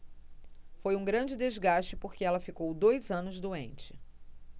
foi um grande desgaste porque ela ficou dois anos doente